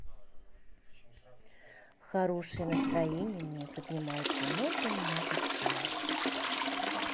хорошее настроение мне поднимает много много денег